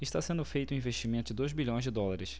está sendo feito um investimento de dois bilhões de dólares